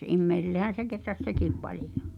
ihmisillehän se kehräsi sekin paljon